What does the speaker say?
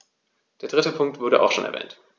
Der dritte Punkt wurde auch schon erwähnt.